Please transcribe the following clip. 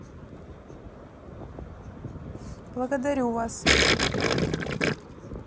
благодарю вас